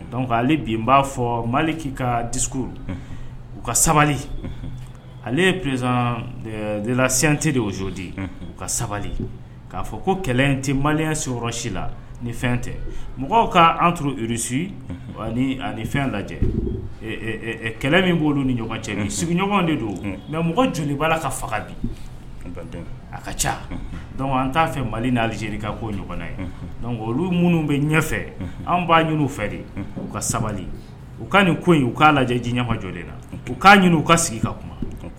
Dɔnkuc ale bi b'a fɔ mali k'i ka di u ka sabali ale p delate deo u ka sabali k'a fɔ ko kɛlɛ tɛ mali sisi la ni fɛn tɛ mɔgɔw karusu fɛn lajɛ kɛlɛ min b'olu ni ɲɔgɔn cɛ sigiɲɔgɔn de don mɛ mɔgɔ joli b'a la ka faga bi a ka ca an t'a fɛ mali n' ka' ɲɔgɔnna ye dɔnku olu minnu bɛ ɲɛfɛ an b'a ɲini fɛ u ka sabali u ka nin ko in u k'a lajɛ ji ɲɛma jɔ la u k'a ɲini u ka sigi ka kuma